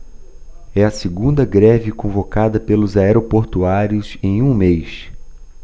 é a segunda greve convocada pelos aeroportuários em um mês